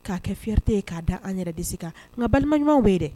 K'a kɛ fierté ye k'a da an yɛrɛ disi kan nka balima ɲumanw be ye dɛ